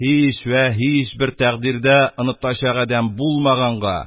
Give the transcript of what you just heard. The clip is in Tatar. Һич вә һич бер тәкъдирдә онытачак адәм булмаганга